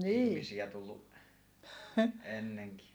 ihmisiä tullut ennenkin